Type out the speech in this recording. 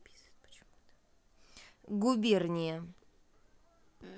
губерния